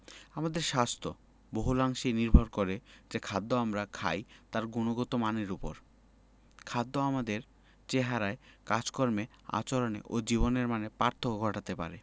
আমাদের স্বাস্থ্য বহুলাংশে নির্ভর করে যে খাদ্য আমরা খাই তার গুণগত মানের ওপর খাদ্য আমাদের চেহারায় কাজকর্মে আচরণে ও জীবনের মানে পার্থক্য ঘটাতে পারে